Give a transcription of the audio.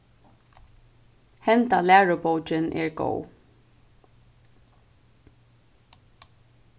henda lærubókin er góð